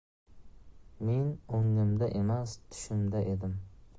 men o'ngimda emas tushimda edim